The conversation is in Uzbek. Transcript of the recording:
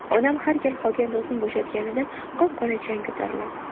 onam har gal xokandozni bo'shatganida qop qora chang ko'tariladi